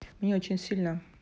мне очень сильно